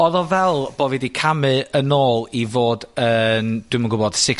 ...Odd o fel bo' fi 'di camu yn ôl i fod yn, dwi'm yn gwbod, *sixteen,